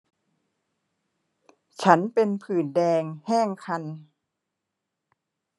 ฉันเป็นผื่นแดงแห้งคัน